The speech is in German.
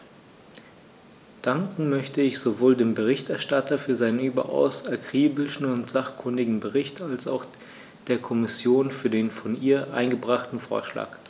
Danken möchte ich sowohl dem Berichterstatter für seinen überaus akribischen und sachkundigen Bericht als auch der Kommission für den von ihr eingebrachten Vorschlag.